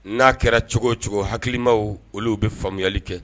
N'a kɛra cogo o cogo hakima olu u bɛ faamuyayali kɛ